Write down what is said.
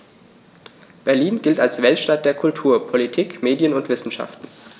Berlin gilt als Weltstadt der Kultur, Politik, Medien und Wissenschaften.